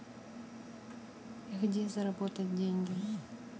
где заработать деньги